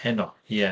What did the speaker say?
Heno? Ie.